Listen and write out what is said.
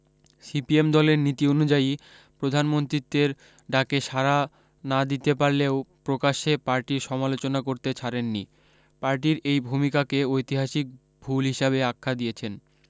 CPM দলের নীতি অনু্যায়ী প্রধানমন্ত্রীত্বের ডাকে সাড়া না দিতে পারলেও প্রকাশ্যে পার্টির সমালোচনা করতে ছাড়েননি পার্টির এই ভূমিকাকে ঐতিহাসিক ভুল হিসাবে আখ্যা দিয়েছেন